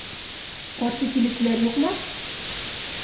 Каршы килүләр юкмы?